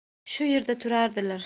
shu yerda turardilar